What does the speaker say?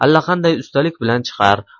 allaqanday ustalik bilan chiqar